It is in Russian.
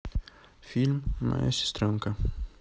фильм моя сестренка